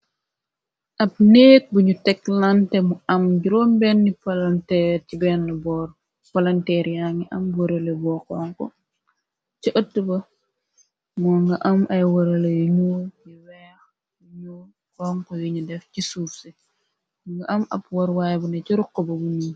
Ahb nehgg bunju tekk lante mu am juroom beni palanteer chi beni bohrre, palanterre yangi am wehraleh bu honko, chi ehtt ba mu nga am ay wehraleh yu njull, yu wehk, yu njull, honko yu nju def chi suuf si, nga am ab warwaay bu neh chi rukku bobu nonu.